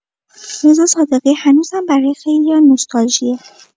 رضا صادقی هنوزم برای خیلیا نوستالژیه.